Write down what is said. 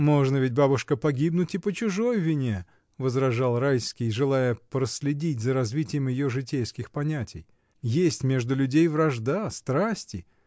— Можно ведь, бабушка, погибнуть и по чужой вине, — возражал Райский, желая проследить за развитием ее житейских понятий, — есть между людей вражда, страсти.